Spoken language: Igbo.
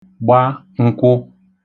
gba nkwụ̄